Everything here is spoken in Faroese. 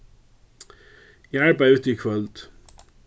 eg arbeiði við tí í kvøld